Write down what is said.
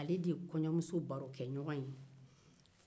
ale de ye kɔɲɔmuso barokɛɲɔgɔn ye